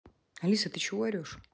алиса ты чего ты орешь